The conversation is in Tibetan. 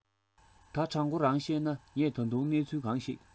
ད དྲང གོ རང གཤས ན ངས ད དུང གནས ཚུལ གང ཞིག